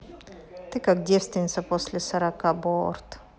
ты как девственница после сорока борт